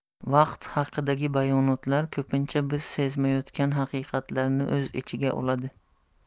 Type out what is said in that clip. vaqt haqidagi bayonotlar ko'pincha biz sezmayotgan haqiqatlarni o'z ichiga oladi